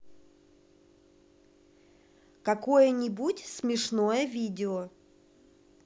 какое нибудь смешное видео